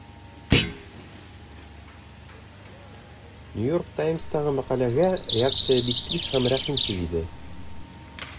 New York Times'тагы мәкаләгә реакция бик тиз һәм рәхимсез иде.